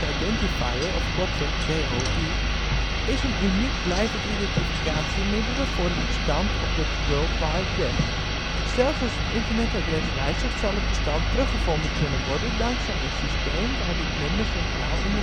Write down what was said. identifier (of kortweg DOI) is een uniek blijvend identificatiemiddel voor een bestand op het World Wide Web. Zelfs als het internetadres wijzigt, zal het bestand teruggevonden kunnen worden dankzij een systeem waar dit nummer centraal in